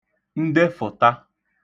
ndefụ̀ta